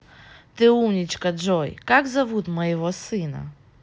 ты умничка джой как зовут моего сына